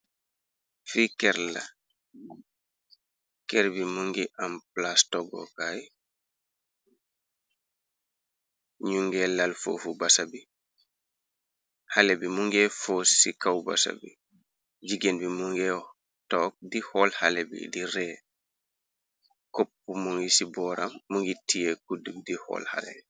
Fii kerla kër bi mu ngi am plas togokaay ñu nge lal foo si kaw basa bi xale bi mu nge foos ci kaw basa bi jigéen bi mu ngi took di xal xale bi di ree kopp mu ngi ci booram mu ngi tiye kuddg di xoll xalebi.